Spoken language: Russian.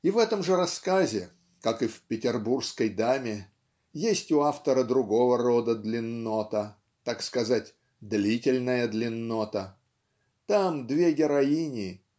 И в этом же рассказе (как и в "Петербургской даме") есть у автора другого рода длиннота так сказать длительная длиннота там две героини.